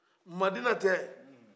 madina tɛ